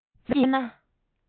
དལ གྱིས སྤོས ན